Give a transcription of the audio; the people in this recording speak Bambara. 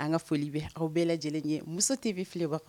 An ka foli bɛ aw bɛɛ lajɛlen ye, muso TV filɛbagaw